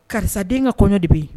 Karisa den ka kɔ de bɛ yen